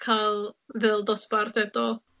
ca'l fel dosbarth eto.